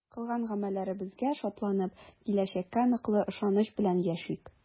Кылган гамәлләребезгә шатланып, киләчәккә ныклы ышаныч белән яшик!